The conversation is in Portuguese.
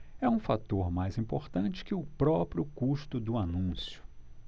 é um fator mais importante que o próprio custo do anúncio